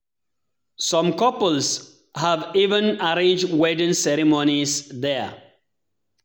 Some couples have even arranged wedding ceremonies there.